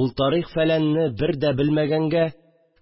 Ул тарих-фәләнне бер дә белмәгәнгә